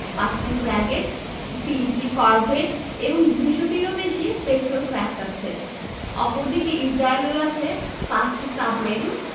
৫টি ফ্র্যাগেট ৩টি করভেট এবং ২০০ টিরও বেশি পেট্রল ক্র্যাফট আছে অপরদিকে ইসরায়েলের আছে ৫টি সাবমেরিন